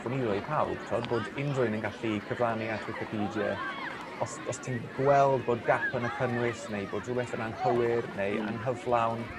hoffwn i roi i pawb t'od bod unryw un yn gallu cyfrannu at wicipedie os os ti'n gweld bod gap yn y cynnwys neu bod rhwbeth yn anghywir neu... Hmm. ...anghyflawn